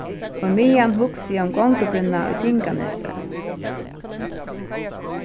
ímeðan hugsi eg um gongubrúnna í tinganesi